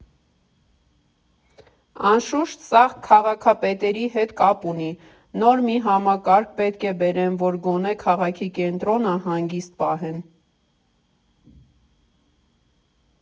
Անշուշտ, սա քաղաքապետերի հետ կապ ունի, նոր մի համակարգ պետք է բերեն, որ գոնե քաղաքի կենտրոնը հանգիստ պահեն։